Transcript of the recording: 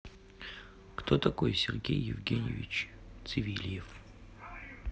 кто такой сергей евгеньевич цивилев